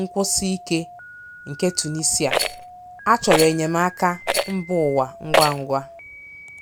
nkwụsi ike nke Tunisia - a chọrọ enyemaka mba ụwa ngwa ngwa.